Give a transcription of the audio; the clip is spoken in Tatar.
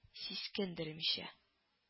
Сискендермичә